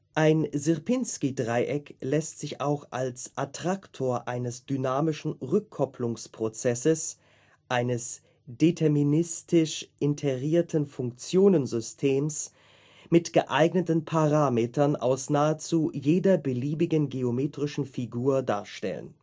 Ein Sierpinski-Dreieck lässt sich auch als Attraktor eines dynamischen Rückkopplungsprozesses, eines deterministisch iterierten Funktionensystems mit geeigneten Parametern aus nahezu jeder beliebigen geometrischen Figur darstellen